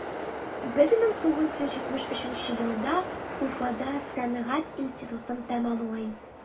1973 елда уфада сәнгать институтын тәмамлый.